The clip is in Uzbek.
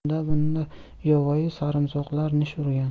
undamunda yovvoyi sarimsoqlar nish urgan